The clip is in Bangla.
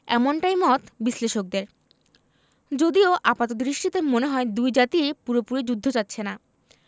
এমনটাই মত বিশ্লেষকদের যদিও আপাতদৃষ্টিতে মনে হয় দুই জাতিই পুরোপুরি যুদ্ধ চাচ্ছে না